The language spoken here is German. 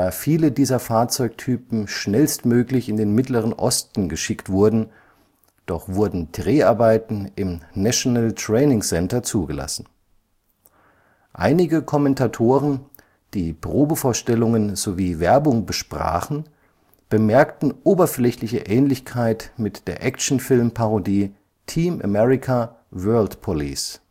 viele dieser Fahrzeugtypen schnellstmöglich in den mittleren Osten geschickt wurden, doch wurden Dreharbeiten im National Training Center zugelassen. Einige Kommentatoren, die Probevorstellungen sowie Werbung besprachen, bemerkten oberflächliche Ähnlichkeit mit der Actionfilm-Parodie Team America:World Police